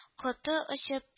Коты очып